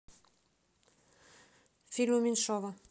фильмы меньшова